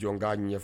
Jɔn k'a ɲɛ